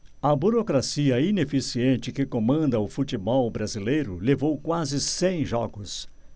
a burocracia ineficiente que comanda o futebol brasileiro levou quase cem jogos